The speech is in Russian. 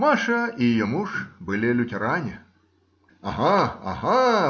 Маша и ее муж были лютеране. "Ага, ага,